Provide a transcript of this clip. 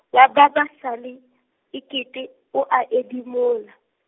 wa ba ba sale, e kete o a edimola.